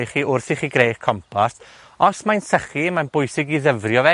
i chi wrth i chi greu 'ych compost. Os mae'n sychu, mae'n bwysig i ddyfrio fe